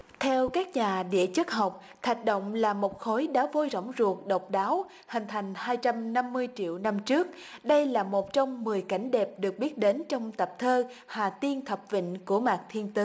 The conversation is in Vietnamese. theo các nhà địa chất học thạch động là một khối đá vôi rỗng ruột độc đáo hình thành hai trăm năm mươi triệu năm trước đây là một trong mười cảnh đẹp được biết đến trong tập thơ hà tiên thập vịnh của mạc thiên tứ